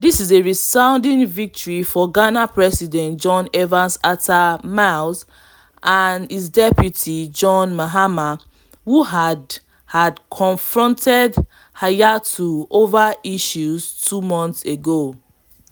This is a resounding victory for Ghana president John Evans Atta Mills and his deputy John Mahama who had had confronted Hayatou over the issue two months ago.